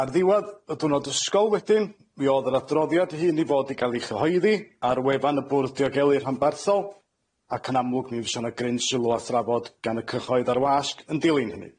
Ar ddiwadd y dwrnod ysgol wedyn, mi o'dd yr adroddiad hyn i fod i ga'l ei chyhoeddi ar wefan y Bwrdd Diogelu Rhanbarthol, ac yn amlwg mi fysa 'na gryn sylw a thrafod gan y cyhoedd a'r wasg yn dilyn hynny.